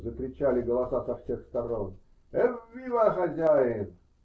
-- закричали голоса со всех сторон. -- Эввива хозяин!